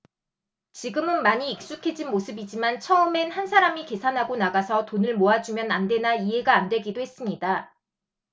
지금은 많이 익숙해진 모습이지만 처음엔 한 사람이 계산하고 나가서 돈을 모아주면 안되나 이해가 안되기도 했습니다